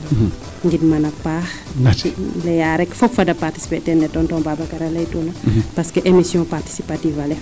ngid man a paax leya rek fop fada participer teen ne tonton Babacar a ley tuuna parce emission participative le ley